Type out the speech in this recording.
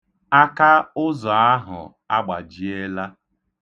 Aka ụzọ ahụ agbajiela.